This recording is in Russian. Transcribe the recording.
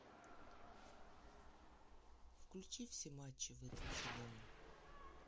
включи все матчи в этом сезоне